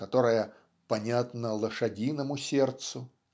которая "понятна лошадиному сердцу".